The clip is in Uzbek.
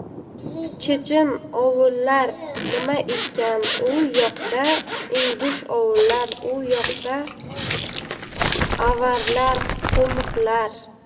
chechen ovullar nima ekan u yoqda ingush ovullar u yoqda avarlar qo'miqlar